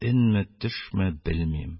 Өнме, төшме? - Белмим.